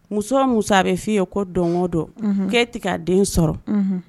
Muso muso a bɛ f'i ye ko dɔn dɔ ke tigɛ den sɔrɔ